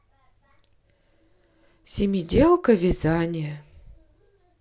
семиделка вязание